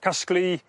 Casglu